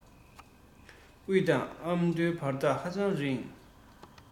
དབུས དང ཨ མདོའི བར ཐག ཧ ཅང རིང